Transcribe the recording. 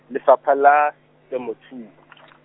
Lefapha la, Temothuo.